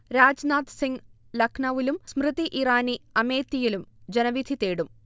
രാജ്നാഥ് സിംഗ് ലക്നൌവിലും സ്മൃതി ഇറാനി അമേത്തിയിലും ജനവിധി തേടും